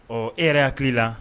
Ɔ e yɛrɛ hakili la